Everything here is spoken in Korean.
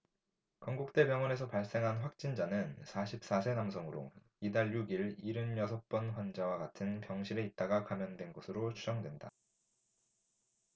건국대병원에서 발생한 확진자는 사십 사 세 남성으로 이달 육 일 일흔 여섯 번 환자와 같은 병실에 있다가 감염된 것으로 추정된다